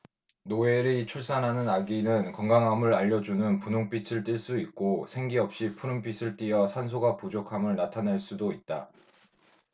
노엘이 출산하는 아기는 건강함을 알려 주는 분홍빛을 띨 수도 있고 생기 없이 푸른빛을 띠어 산소가 부족함을 나타낼 수도 있다